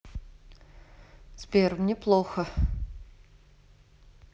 сбер мне плохо